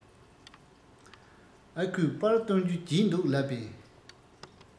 ཨ ཁུས པར བཏོན རྒྱུ བརྗེད འདུག ལབ པས